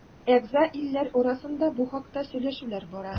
Әгъза илләр арасында бу хакта сөйләшүләр бара.